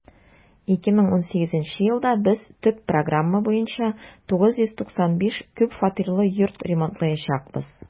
2018 елда без төп программа буенча 995 күп фатирлы йорт ремонтлаячакбыз.